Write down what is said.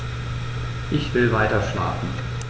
Ich will weiterschlafen.